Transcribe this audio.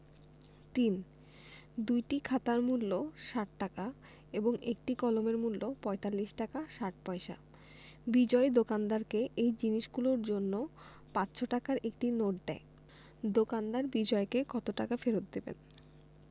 ৩ দুইটি খাতার মূল্য ৬০ টাকা এবং একটি কলমের মূল্য ৪৫ টাকা ৬০ পয়সা বিজয় দোকানদারকে এই জিনিসগুলোর জন্য ৫০০ টাকার একটি নোট দেয় দোকানদার বিজয়কে কত টাকা ফেরত দেবেন